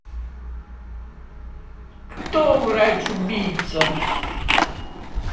кто врач убийца